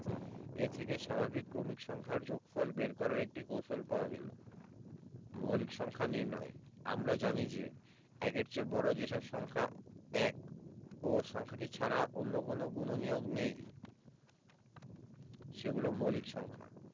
এ থেকে স্বাভাবিক ক্রমিক সংখ্যার যোগফল বের করার একটি কৌশল পাওয়া গেল মৌলিক সংখ্যা নির্ণয় আমরা জানি যে ১-এর চেয়ে বড় যে সব সংখ্যা ১ ও সংখ্যাটি ছাড়া অন্য কোনো গুণনীয়ক নেই সেগুলো মৌলিক সংখ্যা